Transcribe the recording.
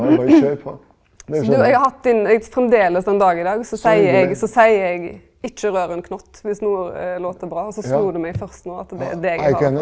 så du eg har hatt din eg framleis den dag i dag så seier eg så seier eg ikkje rør ein knott viss noko læt bra, så slo det meg først no at det er deg eg har det frå.